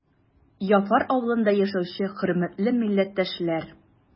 Яфар авылында яшәүче хөрмәтле милләттәшләр!